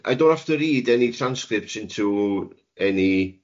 I don't have to read any transcripts into any